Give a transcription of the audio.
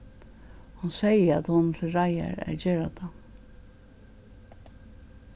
hon segði at hon er til reiðar at gera tað